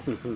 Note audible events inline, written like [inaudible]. [hesitation] [hesitation]